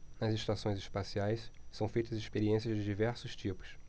nas estações espaciais são feitas experiências de diversos tipos